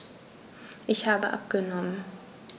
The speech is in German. Ich habe abgenommen.